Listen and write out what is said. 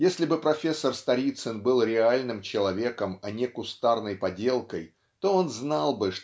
Если бы профессор Сторицын был реальным человеком а не кустарной поделкой то он знал бы